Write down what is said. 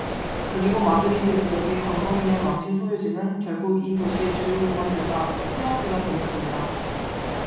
그리고 마드리드 지역의 광범위한 왕실 소유지는 결국 이 도시의 주요 공원들과 휴양지가 되었습니다